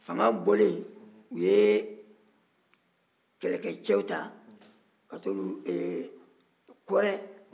fanga bɔlen yen u ye kɛlɛkɛcɛw ta ka taa kɔrɛ